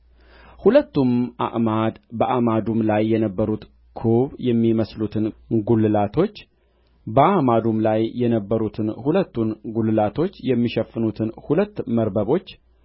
ሁለቱም አዕማድ በአዕማዱም ላይ የነበሩትን ኩብ የሚመስሉትን ጕልላቶች በአዕማዱም ላይ የነበሩትን ሁለቱን ጕልላቶች የሚሸፍኑትን ሁለቱን መርበቦች